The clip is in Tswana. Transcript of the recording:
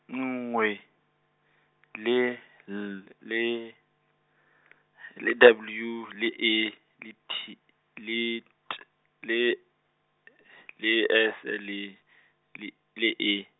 nngwe, le L, le , le W, le E, le T, le T, le , le S le, l- le E.